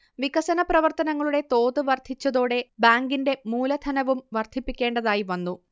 വികസന പ്രവർത്തനങ്ങളുടെ തോത് വർധിച്ചതോടെ ബാങ്കിന്റെ മൂലധനവും വർധിപ്പിക്കേണ്ടതായിവന്നു